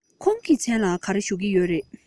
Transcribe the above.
ཁོང གི མཚན ལ ག རེ ཞུ གི ཡོད རེད